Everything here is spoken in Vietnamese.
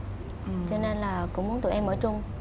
cho nên là cũng muốn tụi em ở chung